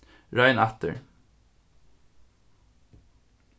royn aftur